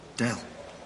Dale?